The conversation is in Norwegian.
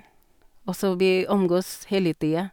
Og så vi omgås hele tida.